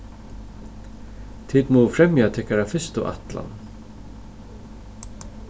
tit mugu fremja tykkara fyrstu ætlan